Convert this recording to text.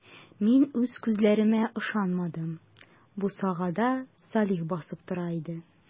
Мин үз күзләремә ышанмадым - бусагада Салих басып тора иде.